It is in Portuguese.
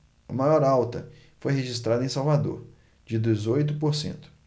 a maior alta foi registrada em salvador de dezoito por cento